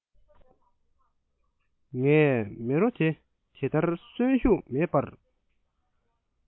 ངས མེ རོ དེ དེ ལྟར གསོན ཤུགས མེད པར